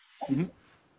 M-hm.